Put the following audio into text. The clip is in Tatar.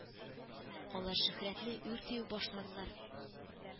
Алар Шөһрәтне үрти үк башладылар